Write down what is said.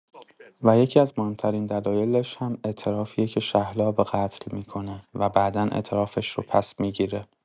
و یکی‌از مهم‌ترین دلایلش هم اعترافیه که شهلا به قتل می‌کنه و بعدا اعترافش رو پس‌می‌گیره.